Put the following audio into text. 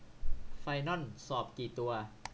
ไฟนอลสอบกี่ตัว